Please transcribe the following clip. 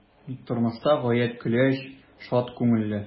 Тормышта гаять көләч, шат күңелле.